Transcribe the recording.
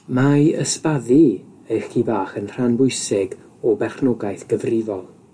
Mae ysbaddu eich ci bach yn rhan bwysig o berchnogaeth gyfrifol.